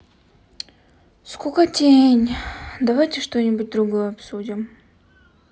скукотень давайте что нибудь другое обсудим